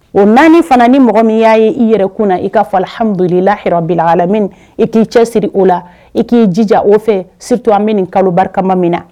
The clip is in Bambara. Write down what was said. O 4 fana ni mɔgɔ min y'a ye i yɛrɛkun na i ka fɔ alhamdulilahi rabilalamiin i k'i cɛsiri o la i k'i jija o fɛ surtout an be nin kalo barikama min na